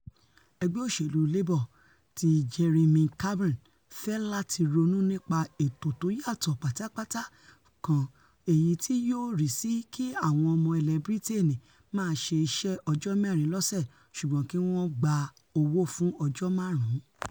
Ẹgbẹ́ òṣèlú Labour ti Jeremy Corbyn fẹ́ lati ronú nípa ètò tóyàtọ̀ pátápátá kan èyití yóò rísì kí àwọn ọmọ ilẹ̀ Britain máaṣe iṣẹ́ ọjọ́ mẹ́rin lọ́sẹ̵̀ - ṣùgbọn kí wọ́n gba owó fún ọjọ́ máàrún.